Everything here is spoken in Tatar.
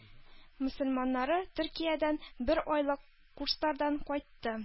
Мөселманнары төркиядән бер айлык курслардан кайтты